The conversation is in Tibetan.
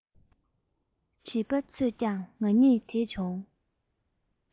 བྱིས པ ཚོས ཀྱང ང གཉིས དེད བྱུང